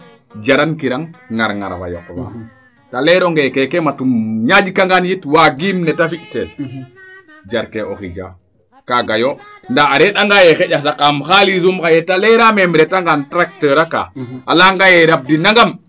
jarang kirang nga ngar fa yoq faa te leeronge keeke mat im ñaaƴ ka ngaan yit waagiim neete fi tel jar kee o xijaa kaaga yo ndaa a reend angaa ye xaƴa saqaam xalisum xaye te leraame im reta nga tracteur akaa a leya ngaa yee rabdi nangam